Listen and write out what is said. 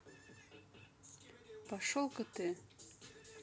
пошел ка ты